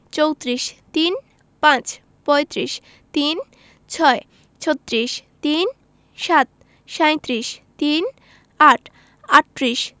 চৌত্রিশ ৩৫ পঁয়ত্রিশ ৩৬ ছত্রিশ ৩৭ সাঁইত্রিশ ৩৮ আটত্রিশ